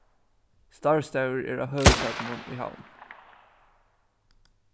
starvsstaður er á høvuðssætinum í havn